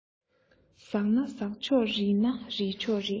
ཟག ན ཟག ཆོག རིལ ན རིལ ཆོག རེད